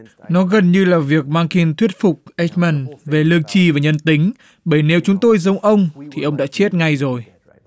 nó gần như là việc ma rin thuyết phục ếch mưn về lương tri và nhân tính bởi nếu chúng tôi giống ông thì ông đã chết ngay rồi